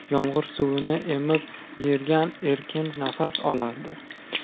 yomg'ir suvini tushgan yer erkin erkin nafas olardi